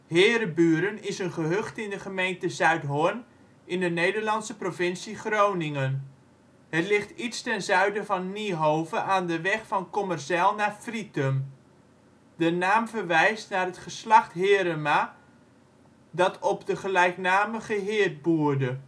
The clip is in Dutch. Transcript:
Heereburen is een gehucht in de gemeente Zuidhorn in de Nederlandse provincie Groningen. Het ligt iets ten zuiden van Niehove aan de weg van Kommerzijl naar Frytum. De naam verwijst naar het geslacht Herema die op de gelijknamige heerd boerde